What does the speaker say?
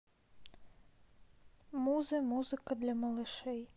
музы музыка для малышей